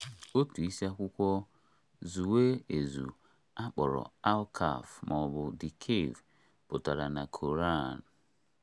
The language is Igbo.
Otu isiakwụkwọ zueu ezu a kpọrọ "Al Kahf" ma ọ bụ "The Cave" pụtara na Koran.